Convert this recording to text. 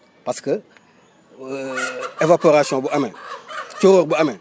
parce que évapopration bu amee cóolóol bu amee